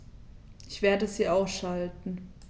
Ich werde sie ausschalten